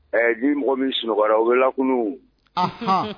Ɛɛ ni mɔgɔ min sunɔgɔkɔrɔ wele kunun